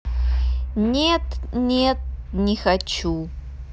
нет нет не хочу